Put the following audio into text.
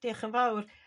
Diolch yn fawr.